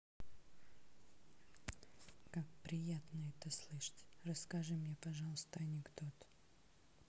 как приятно это слышать расскажи мне пожалуйста анекдот